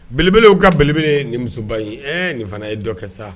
Belebele ka belebele nin musoba in e nin fana ye dɔ kɛ sa